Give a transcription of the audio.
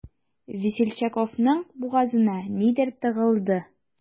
Весельчаковның бугазына нидер тыгылды.